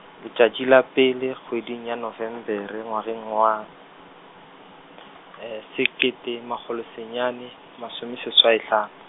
letšatši la pele kgweding ya Nofemere ngwageng wa, sekete makgolo senyane, masome seswai hlano.